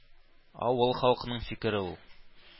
Авыл халкының фикере ул.